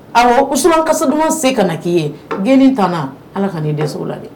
Ɔ kos kasad se ka na k'i ye gni ta ala ka nin dɛsɛso la dɛ